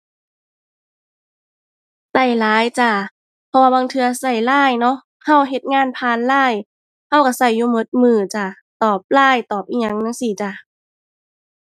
ใช้ LINE จ้า เพราะว่าบางเทื่อใช้ LINE เนาะ ใช้เฮ็ดงานผ่าน LINE ใช้ใช้ใช้อยู่ใช้มื้อจ้า ตอบ LINE ตอบอิหยังจั่งซี้จ้า